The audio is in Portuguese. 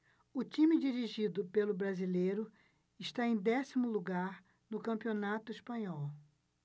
o time dirigido pelo brasileiro está em décimo lugar no campeonato espanhol